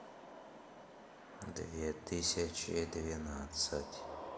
две тысячи двенадцать